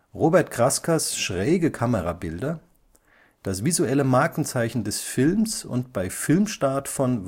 Robert Kraskers schräge Kamerabilder, das visuelle Markenzeichen des Films und bei Filmstart von